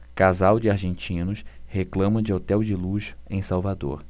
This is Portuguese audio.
casal de argentinos reclama de hotel de luxo em salvador